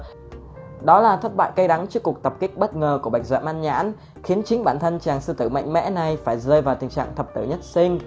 đó là thất bại cay đắng trước cuộc tập kích bất ngờ của bạch dạ ma nhãn khiến chính bản thân chàng sư tử mạnh mẽ này phải rơi vào tình trạng thập tử nhất sinh